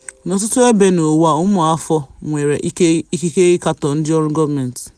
N'ọtụtụ ebe n'ụwa, ụmụafọ nwere ikike ịkatọ ndịọrụ gọọmentị.